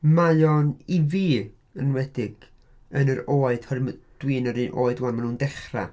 Mae o'n i fi, yn enwedig yn yr oed oherwydd... dwi yn yr un oed rŵan mae nhw'n dechrau.